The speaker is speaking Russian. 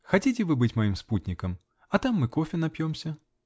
Хотите вы быть моим спутником. А там мы кофе напьемся.